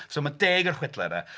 So mae deg o'r chwedlau 'na.